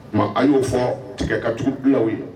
Tuma an y'o fɔ tigɛ ka tugu bi law ye